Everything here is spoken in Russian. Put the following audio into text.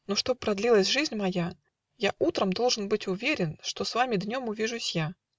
Но чтоб продлилась жизнь моя, Я утром должен быть уверен, Что с вами днем увижусь я.